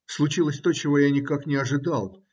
-------------- Случилось то, чего я никак не ожидал.